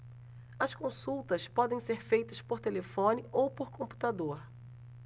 as consultas podem ser feitas por telefone ou por computador